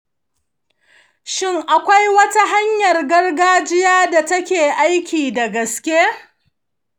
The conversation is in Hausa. shin akwai wata hanyar gargajiya da take aiki da gaske?